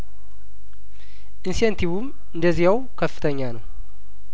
ኢንሴን ቲቩም እንደዚያው ከፍተኛ ነው